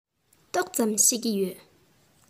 ཏོག ཙམ ཤེས ཀྱི ཡོད